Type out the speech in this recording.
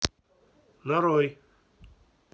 нарой